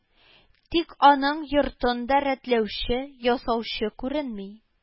Тик аның йортын да рәтләүче, ясаучы күренми